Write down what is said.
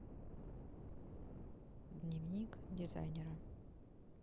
дневник дизайнера